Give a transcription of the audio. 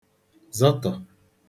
zọtọ̀